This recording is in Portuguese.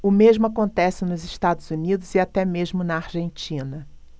o mesmo acontece nos estados unidos e até mesmo na argentina